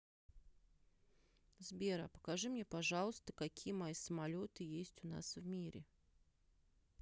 сбер а покажи мне пожалуйста какие мои самолеты есть у нас в мире